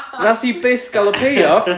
nath hi byth gael y pay off